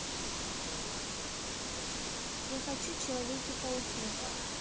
я хочу человеки пауки